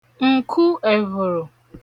ǹku ẹ̀vhùrù